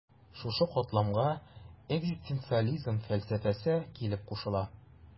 Шушы катламга экзистенциализм фәлсәфәсе килеп кушыла.